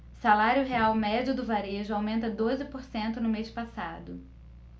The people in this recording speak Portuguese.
salário real médio do varejo aumenta doze por cento no mês passado